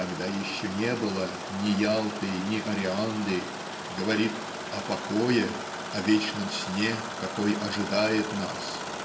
"когда еще не было ни Ялты ни Ореанды" говорит "о покое о вечном сне какой ожидает нас".